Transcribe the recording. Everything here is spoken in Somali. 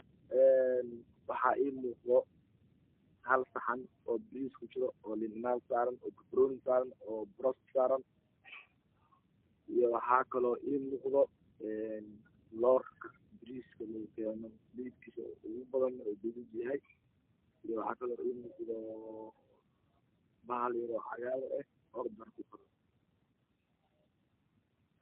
Eenwaxa iimuqda halsaxano kujirabariis lindhanansaran obarbaronisara osaran barosto iyo waxakala iimuqda loreal lagukeenobariiska kalarkisa ugubadan oyahay gaduud iyo waxakala imuqda bahal yar ocagar ah okakoran ordan